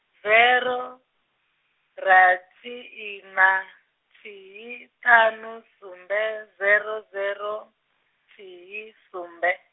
zero, rathi ina, thihi ṱhanu sumbe zero zero, thihi sumbe.